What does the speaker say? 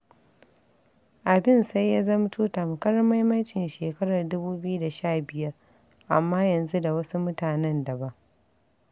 Abin sai ya zamto tamkar maimaicin shekarar 2015 amma yanzu da wasu mutanen dabam.